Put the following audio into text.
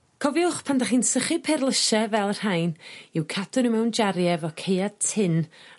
Cofiwch pan 'dach chi'n sychu perlyse fel y rhain i'w cadw n'w mewn jarie efo caead tyn.